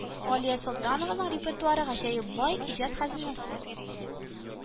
Галия Солтанованың репертуары гаҗәеп бай иҗат хәзинәсе